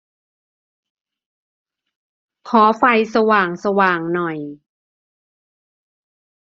ขอไฟสว่างสว่างหน่อย